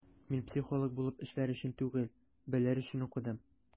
Мин психолог булып эшләр өчен түгел, белер өчен укыдым.